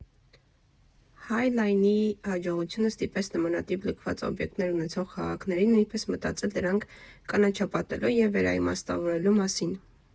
Հայ Լայնի հաջողությունը ստիպեց նմանատիպ լքված օբյեկտներ ունեցող քաղաքներին նույնպես մտածել դրանք կանաչապատելու և վերաիմաստավորելու մասին։